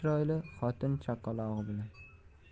chiroyli xotin chaqalog'i bilan